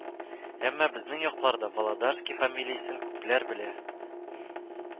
Әмма безнең якларда Володарский фамилиясен күпләр белә